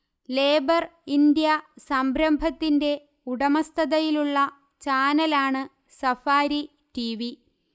labour India സംരംഭത്തിന്റെ ഉടമസ്ഥതയിലുള്ള ചാനലാണ് സഫാരി ടിവി